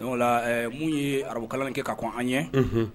Ola mun ye arabuka kɛ ka ko an ye